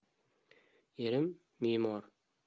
erim me'mor